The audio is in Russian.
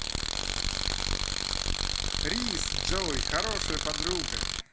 рис джой хорошая подруга